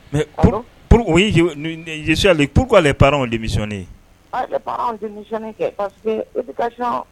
Mɛli p'ale pa demi